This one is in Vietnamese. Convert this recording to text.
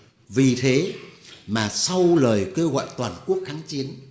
vì thế mà sau lời kêu gọi toàn quốc kháng chiến